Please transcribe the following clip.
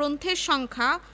চর্চা সম্ভব হয়